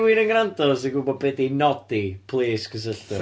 Rywun yn gwrando sy'n gwybod be 'di Nodi, plis cysylltwch. ff-